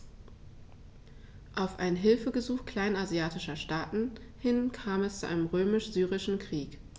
Auf ein Hilfegesuch kleinasiatischer Staaten hin kam es zum Römisch-Syrischen Krieg.